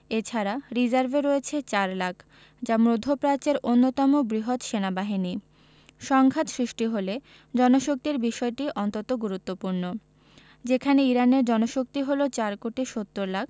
এ ছাড়া রিজার্ভে রয়েছে ৪ লাখ যা মধ্যপ্রাচ্যের অন্যতম বৃহৎ সেনাবাহিনী সংঘাত সৃষ্টি হলে জনশক্তির বিষয়টি অন্তত গুরুত্বপূর্ণ যেখানে ইরানের জনশক্তি হলো ৪ কোটি ৭০ লাখ